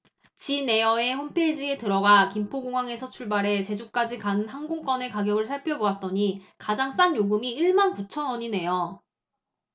진에어의 홈페이지에 들어가 김포공항에서 출발해 제주까지 가는 항공권의 가격을 살펴 보았더니 가장 싼 요금이 일 만 구천 원이네요